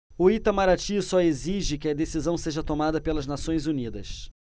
o itamaraty só exige que a decisão seja tomada pelas nações unidas